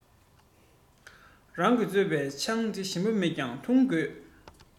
རང གིས བཙོས པའི ཆང དེ ཞིམ པོ མེད ཀྱང འཐུང དགོས